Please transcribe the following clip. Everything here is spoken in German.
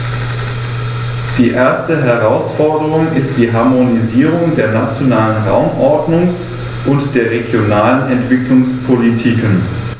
Die erste Herausforderung ist die Harmonisierung der nationalen Raumordnungs- und der regionalen Entwicklungspolitiken.